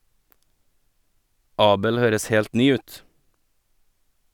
Abel høres helt ny ut.